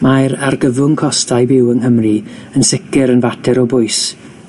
Mae'r argyfwng costau byw yng Nghymru yn sicir yn fater o bwys